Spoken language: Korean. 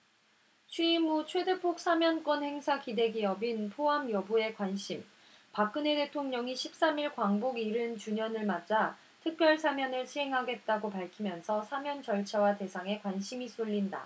취임 후 최대폭 사면권 행사 기대 기업인 포함 여부에 관심 박근혜 대통령이 십 삼 일 광복 일흔 주년을 맞아 특별사면을 시행하겠다고 밝히면서 사면 절차와 대상에 관심이 쏠린다